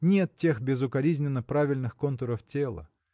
нет тех безукоризненно правильных контуров тела.